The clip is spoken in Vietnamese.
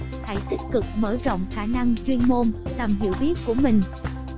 hãy tích cực mở rộng khả năng chuyên môn tầm hiểu biết của mình